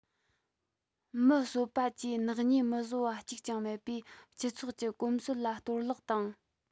མི གསོད པ བཅས ནག ཉེས མི བཟོ བ གཅིག ཀྱང མེད པས སྤྱི ཚོགས ཀྱི གོམས སྲོལ ལ གཏོར བརླག དང